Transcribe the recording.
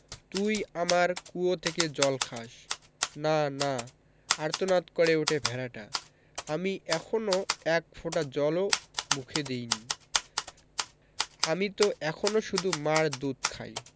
তুই আমার কুয়ো থেকে জল খাস না না আর্তনাদ করে ওঠে ভেড়াটা আমি এখনো এক ফোঁটা জল ও মুখে দিইনি আমি ত এখনো শুধু মার দুধ খাই